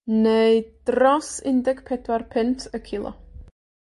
Neu dros un deg pedwar punt y cilo.